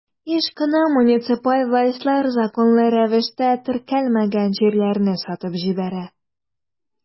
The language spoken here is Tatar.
Еш кына муниципаль властьлар законлы рәвештә теркәлмәгән җирләрне сатып җибәрә.